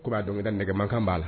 nɛgɛ mankan b'a la.